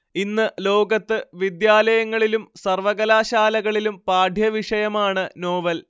ഇന്ന് ലോകത്ത് വിദ്യാലയങ്ങളിലും സർവ്വകലാശാലകളിലും പാഠ്യവിഷയമാണ് നോവൽ